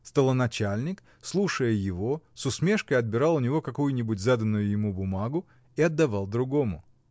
Столоначальник, слушая его, с усмешкой отбирал у него какую-нибудь заданную ему бумагу и отдавал другому.